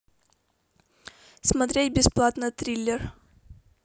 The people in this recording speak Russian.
смотреть бесплатно триллер